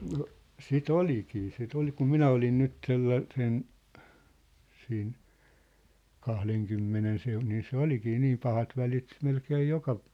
no sitä olikin sitä oli kun minä olin nyt - sellaisen siinä kahdenkymmenen - niin se olikin niin pahat välit melkein joka